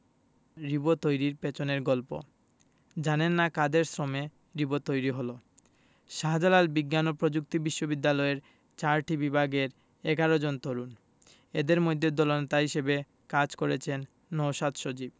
রিবো তৈরির পেছনের গল্প জানেন না কাদের শ্রমে রিবো তৈরি হলো শাহজালাল বিজ্ঞান ও প্রযুক্তি বিশ্ববিদ্যালয়ের চারটি বিভাগের ১১ জন তরুণ এদের মধ্যে দলনেতা হিসেবে কাজ করেছেন নওশাদ সজীব